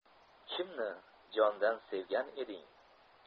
kimni jondan sevgan eding